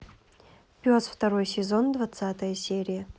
пес второй сезон двадцатая серия